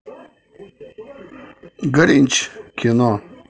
гринч кино